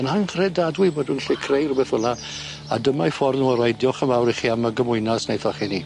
Yn anghredadwy bod rwun gallu creu rwbeth fel 'na a dyma'i ffordd o roi dioch yn fawr i chi am y gymwynas neithoch chi ni.